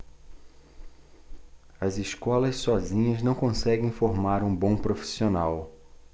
as escolas sozinhas não conseguem formar um bom profissional